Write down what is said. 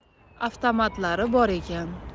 avtomatlari bor ekan